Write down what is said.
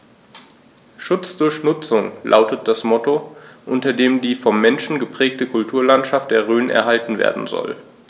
„Schutz durch Nutzung“ lautet das Motto, unter dem die vom Menschen geprägte Kulturlandschaft der Rhön erhalten werden soll.